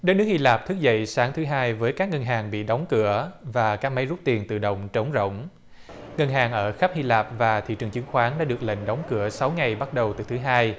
đất nước hy lạp thức dậy sáng thứ hai với các ngân hàng bị đóng cửa và các máy rút tiền tự động trống rỗng ngân hàng ở khắp hy lạp và thị trường chứng khoán đã được lệnh đóng cửa sáu ngày bắt đầu từ thứ hai